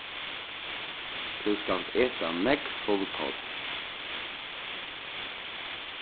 tú skalt eta nógv fullkorn